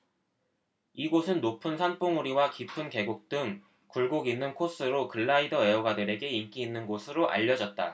이곳은 높은 산봉우리와 깊은 계곡 등 굴곡 있는 코스로 글라이더 애호가들에게 인기 있는 곳으로 알려졌다